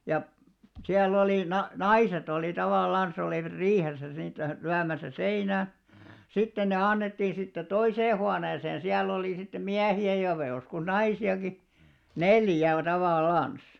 ja siellä oli - naiset oli tavallansa olivat riihessä niitä lyömässä seinään sitten ne annettiin siitä toiseen huoneeseen siellä oli sitten miehiä ja voi joskus naisiakin neljä on tavallansa